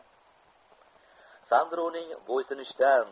sandroning bo'ysunishdan